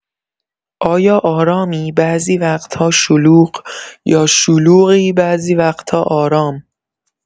آیا آرامی، بعضی وقت‌ها شلوغ، یا شلوغی، بعضی وقتا آرام؟